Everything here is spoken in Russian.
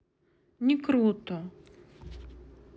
не круто